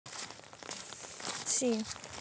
si